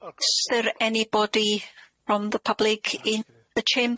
Is there anybody from the public in the chamber?